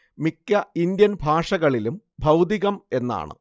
മിക്ക ഇന്ത്യൻ ഭാഷകളിലും ഭൗതികം എന്നാണ്